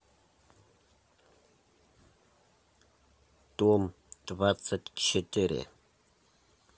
дом двадцать четыре